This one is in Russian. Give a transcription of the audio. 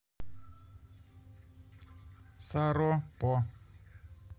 саро по